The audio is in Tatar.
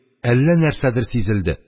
Әллә нәрсәдер сизелде.